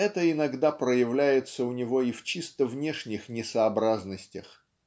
это иногда проявляется у него и в чисто внешних несообразностях.